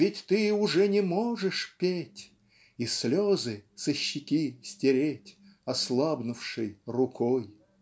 Ведь ты уже не можешь петь И слезы со щеки стереть Ослабнувшей рукой"?.